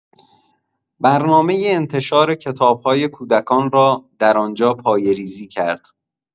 برنامه انتشار کتاب‌های کودکان را در آنجا پایه‌ریزی کرد.